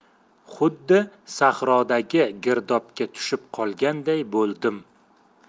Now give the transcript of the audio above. xuddi sahrodagi girdobga tushib qolganday bo'ldim